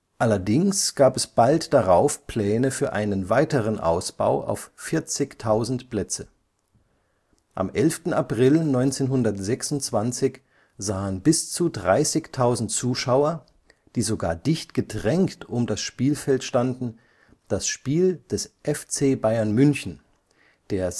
Allerdings gab es bald darauf Pläne für einen weiteren Ausbau auf 40.000 Plätze. Am 11. April 1926 sahen bis zu 30.000 Zuschauer, die sogar dichtgedrängt um das Spielfeld standen, das Spiel des FC Bayern München, der